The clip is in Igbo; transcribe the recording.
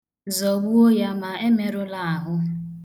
Zọgbuo ya ma emerula ahụ.